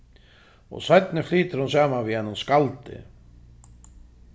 og seinni flytur hon saman við einum skaldi